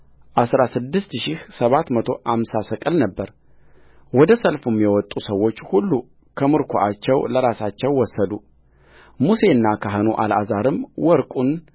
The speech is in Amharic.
አሥራ ስድስት ሺህ ሰባት መቶ አምሳ ሰቅል ነበረወደ ሰልፍ የወጡ ሰዎች ሁሉ ከምርኮአቸው ለራሳቸው ወሰዱሙሴና ካህኑ አልዓዛርም ወርቁን